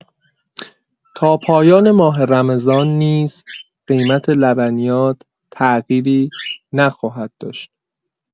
تا پایان ماه رمضان نیز قیمت لبنیات تغییری نخواهد داشت.